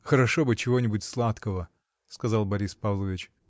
— Хорошо бы чего-нибудь сладкого! — сказал Борис Павлович.